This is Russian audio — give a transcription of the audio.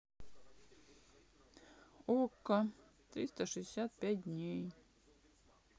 окко триста шестьдесят пять дней